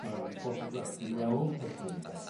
ma'r ffotograff 'di weld felly ynde.